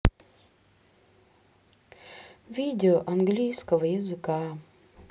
видео английского языка